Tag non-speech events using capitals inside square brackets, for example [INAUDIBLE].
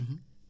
[HESITATION] [HESITATION]